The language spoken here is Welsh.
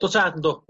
'Dw tad yndw.